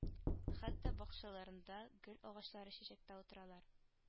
Хәтта бакчаларында гөл агачлары чәчәктә утыралар